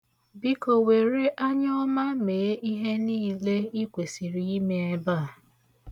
Biko, were anyọọma mee ihe niile i kwesịrị ime ebe a.